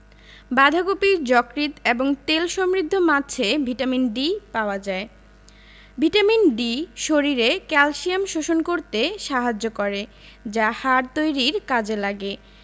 বাঁধাকপি যকৃৎ এবং তেল সমৃদ্ধ মাছে ভিটামিন D পাওয়া যায় ভিটামিন D শরীরে ক্যালসিয়াম শোষণ করতে সাহায্য করে যা হাড় তৈরীর কাজে লাগে